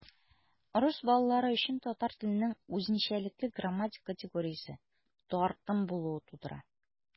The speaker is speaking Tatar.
Рус балалары өчен татар теленең үзенчәлекле грамматик категориясе - тартым булуы тудыра.